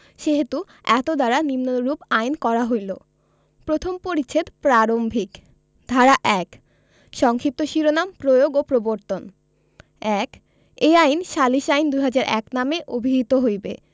সেইহেতু এতদ্বারা নিম্নরূপ আইন করা হইল প্রথম পরিচ্ছেদ প্রারম্ভিক ধারা ১ সংক্ষিপ্ত শিরোনাম প্রয়োগ ও প্রবর্তন ১ এই আইন সালিস আইন ২০০১ নামে অভিহিত হইবে